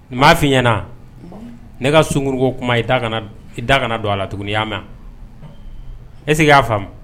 M'a f'i ɲɛna a ne ka sunkuru ko kuma i da kana d i da kana don a la tuguni i y'a mɛ a est ce que i y'a faamu